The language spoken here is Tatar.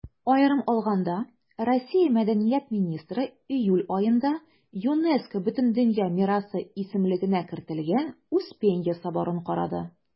Аерым алганда, Россия Мәдәният министры июль аенда ЮНЕСКО Бөтендөнья мирасы исемлегенә кертелгән Успенья соборын карады.